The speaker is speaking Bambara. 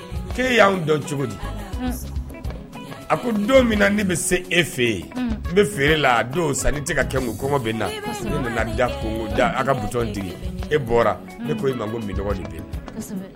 ' ee y'anw dɔn cogo di a ko don min bɛ se e fɛ n bɛ feere la san tɛ ka kɛ kɔmɔ bɛ na ka e ne ko ma ko